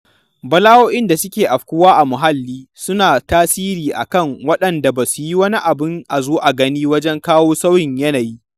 Bala'o'in da suke afkuwa a muhalli suna tasiri a kan waɗanda ba su yi wani abin a zo a gani wajen kawo sauyin yanayi.